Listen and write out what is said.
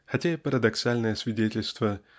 хотя и парадоксальное свидетельство